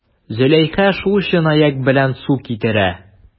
Зөләйха шул чынаяк белән су китерә.